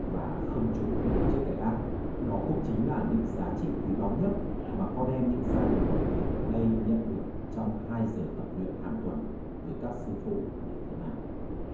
và không chùn bước trước cái ác đó cũng chính là những giá trị quý báu nhất mà con em những gia đình người việt ở đây nhận được trong hai giờ tập luyện hằng tuần với các sư phụ như thế này